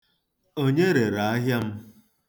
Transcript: Onye rere ahịa m?